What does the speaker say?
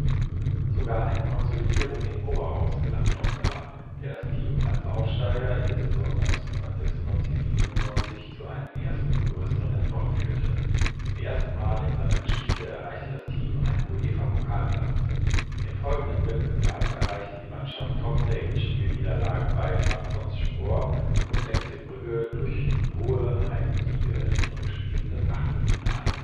Sogar eine Konsolidierung im Oberhaus gelang Toppmöller, der das Team als Aufsteiger in der Saison 1996 / 97 zu einem ersten größeren Erfolg führte: Zum ersten Mal in seiner Geschichte erreichte das Team einen UEFA-Pokal-Platz. Im folgenden Wettbewerb erreichte die Mannschaft trotz der Hinspielniederlagen bei Trabzonspor und FC Brügge durch hohe Heimsiege in den Rückspielen das Achtelfinale